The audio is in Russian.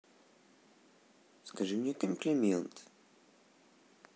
скажи мне комплимент